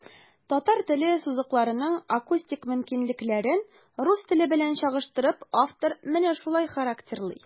Татар теле сузыкларының акустик мөмкинлекләрен, рус теле белән чагыштырып, автор менә шулай характерлый.